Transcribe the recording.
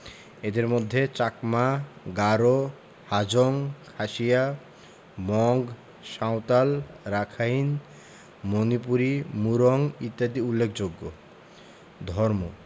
এদের মধ্যে চাকমা গারো হাজং খাসিয়া মগ সাঁওতাল রাখাইন মণিপুরী মুরং ইত্যাদি উল্লেখযোগ্য ধর্ম